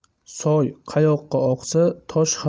soy qayoqqa oqsa tosh